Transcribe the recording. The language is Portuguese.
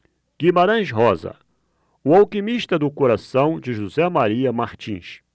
guimarães rosa o alquimista do coração de josé maria martins